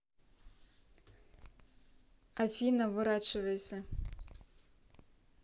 афина ворачивайся